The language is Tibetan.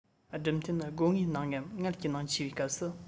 སྦྲུམ རྟེན ནི སྒོ ངའི ནང ངམ མངལ གྱི ནང མཆིས པའི སྐབས སུ